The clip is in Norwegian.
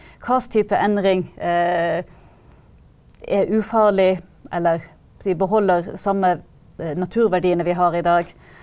hva slags type endring er ufarlig eller si beholder samme naturverdiene vi har i dag.